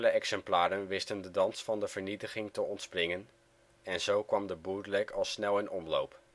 exemplaren wisten de dans van de vernietiging te ontspringen en zo kwam de bootleg al snel in omloop